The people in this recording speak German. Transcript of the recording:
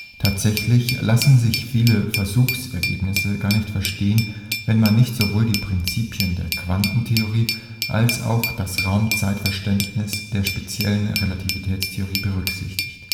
Tatsächlich lassen sich viele Versuchsergebnisse gar nicht verstehen, wenn man nicht sowohl die Prinzipien der Quantentheorie als auch das Raum-Zeit-Verständnis der speziellen Relativitätstheorie berücksichtigt